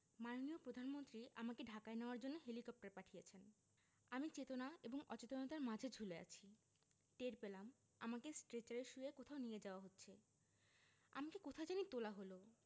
মাননীয় প্রধানমন্ত্রী আমাকে ঢাকায় নেওয়ার জন্য হেলিকপ্টার পাঠিয়েছেন আমি চেতনা এবং অচেতনার মাঝে ঝুলে আছি টের পেলাম আমাকে স্ট্রেচারে শুইয়ে কোথাও নিয়ে যাওয়া হচ্ছে আমাকে কোথায় জানি তোলা হলো